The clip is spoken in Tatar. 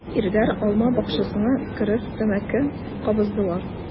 Ирләр алма бакчасына кереп тәмәке кабыздылар.